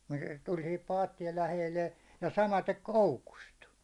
se tuli siihen paattien lähelle ja samaten koukusta